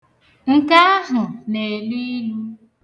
Nke ahụ na-elu ilu.